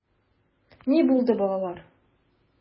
Ни булды, балалар?